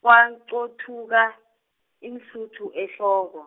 kwanqothuka, iinhluthu ehloko.